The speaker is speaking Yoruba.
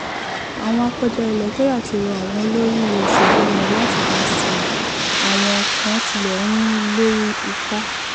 Àwọn aṣèwádìí ń bẹ̀rù pé pẹ̀lú bí nǹkan ṣe ti ń gbóná lọ báyìí, bí kò bá sí ọ̀nà ìṣàkóso rẹ̀, yóò ni ipa ńlá lórí àwọn ewu ajẹmọ́lera.